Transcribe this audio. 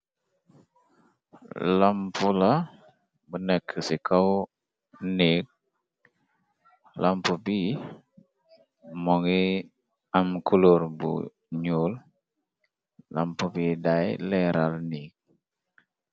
Lampo la bu nekk ci kaw neek , lamp bi mu ngi am kuloor bu nuul , lamp bi daay leeral neek.